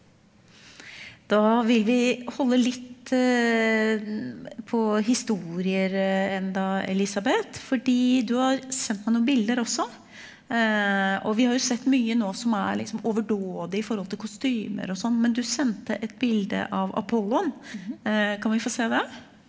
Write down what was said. da vil vi holde litt på historier enda Elisabeth, fordi du har sendt meg noen bilder også, og vi har jo sett mye nå som er liksom overdådig i forhold til kostymer og sånn, men du sendte et bilde av Apollon, kan vi få se det?